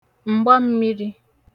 mgbammīrī